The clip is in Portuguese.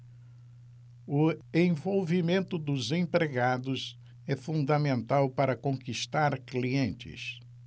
o envolvimento dos empregados é fundamental para conquistar clientes